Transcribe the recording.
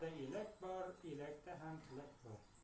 bor elakda tilak bor